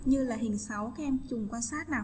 như là hình kem dùng quan sát nào